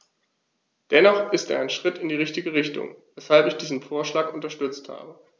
Dennoch ist er ein Schritt in die richtige Richtung, weshalb ich diesen Vorschlag unterstützt habe.